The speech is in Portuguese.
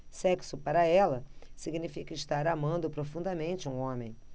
sexo para ela significa estar amando profundamente um homem